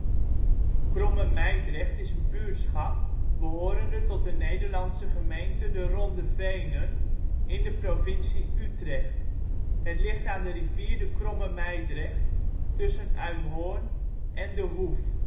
Kromme Mijdrecht is een buurtschap behorende tot de Nederlandse gemeente De Ronde Venen, in de provincie Utrecht. Het ligt aan rivier de Kromme Mijdrecht tussen Uithoorn de De Hoef